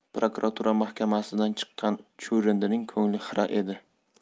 prokuratura mahkamasidan chiqqan chuvrindining ko'ngli xira edi